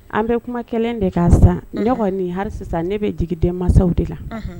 An bɛ kuma kelen de ka san nin hali sisan ne bɛ jigi denmanw de la